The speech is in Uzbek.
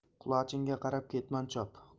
qulochingga qarab ketmon chop